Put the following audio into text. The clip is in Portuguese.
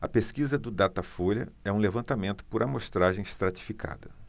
a pesquisa do datafolha é um levantamento por amostragem estratificada